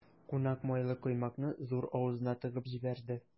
Кунак майлы коймакны зур авызына тыгып җибәрде.